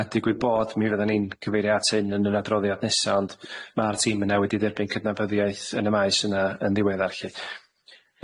A digwydd bod mi fyddan ni'n cyfeirio at hyn yn yn adroddiad nesa ond ma'r tîm yna wedi dderbyn cydnabyddiaeth yn y maes yna yn ddiweddar lly.